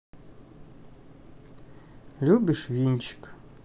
ты любишь винчик